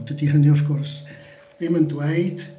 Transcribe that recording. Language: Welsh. Dydi hynny, wrth gwrs ddim yn dweud...